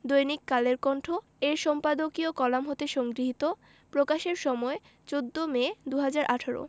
দৈনিক কালের কণ্ঠ এর সম্পাদকীয় কলাম হতে সংগৃহীত প্রকাশের সময় ১৪ মে ২০১৮